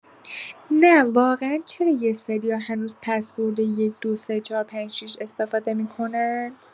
نه واقعا چرا یه سری‌ها هنوز پسورد ۱ ۲ ۳ ۴ ۵ ۶ استفاده می‌کنن؟